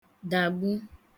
dàgbu